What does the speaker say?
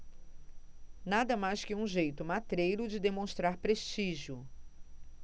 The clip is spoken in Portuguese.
nada mais que um jeito matreiro de demonstrar prestígio